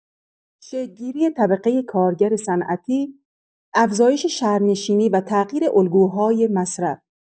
شکل‌گیری طبقۀ کارگر صنعتی، افزایش شهرنشینی و تغییر الگوهای مصرف